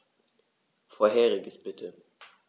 Vorheriges bitte.